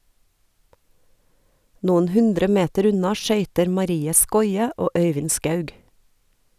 Noen hundre meter unna skøyter Marie Skoie og Øyvind Skaug.